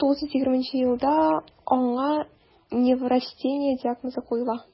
1923 елда аңа неврастения диагнозы куела: